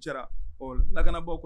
Lakana bɔ kɔnɔ